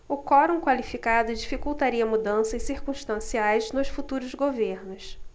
o quorum qualificado dificultaria mudanças circunstanciais nos futuros governos